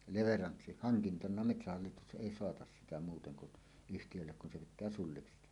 - leveranssihankintana metsähallitus ei saata sitä muuten kuin yhtiölle kun se pitää sulliksi tehdä